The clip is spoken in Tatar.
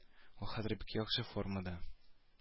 Ул хәзер бик яхшы формада